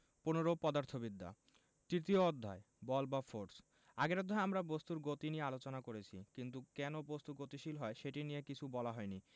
১৫ পদার্থবিদ্যা তৃতীয় অধ্যায় বল বা ফোরস আগের অধ্যায়ে আমরা বস্তুর গতি নিয়ে আলোচনা করেছি কিন্তু কেন বস্তু গতিশীল হয় সেটি নিয়ে কিছু বলা হয়নি